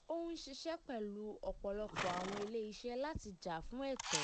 Ò ń ṣiṣẹ́ pẹ̀lú ọ̀pọ̀lọpọ̀ àwọn ilé-iṣẹ́ láti jà fún ẹ̀tọ́.